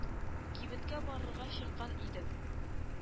“кибеткә барырга чыккан идем